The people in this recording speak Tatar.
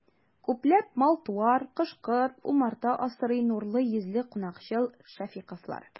Күпләп мал-туар, кош-корт, умарта асрый нурлы йөзле, кунакчыл шәфыйковлар.